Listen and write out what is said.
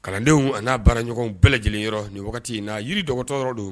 Kalandenw a n'a baara ɲɔgɔn bɛɛ lajɛlen yɔrɔ nin wagati in na yiri dɔgɔtɔ don